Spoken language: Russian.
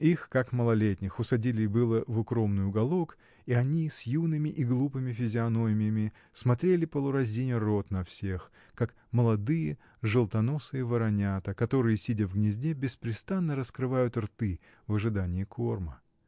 Их, как малолетних, усадили было в укромный уголок, и они, с юными и глупыми физиономиями, смотрели полуразиня рот на всех, как молодые желтоносые воронята, которые, сидя в гнезде, беспрестанно раскрывают рты в ожидании корма.